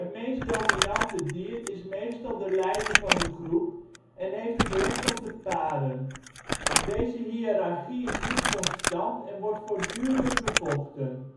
meest dominante dier is meestal de leider van de groep en heeft het recht om te paren. Deze hiërarchie is niet constant en wordt voortdurend bevochten